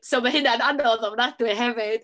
So ma' hynna'n anodd o ofnadwy hefyd!